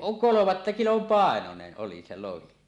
kolmatta kilon painoinen oli se lohi